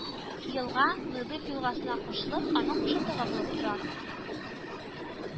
Елга Ныдыб елгасына кушылып, аның кушылдыгы булып тора